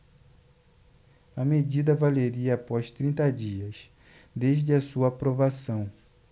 a medida valeria após trinta dias desde a sua aprovação